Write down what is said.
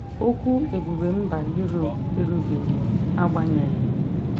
Okwu ebube mba Europe erubeghị, agbanyeghi.